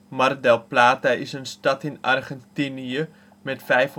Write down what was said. Mar del Plata is een stad in Argentinië met 564.056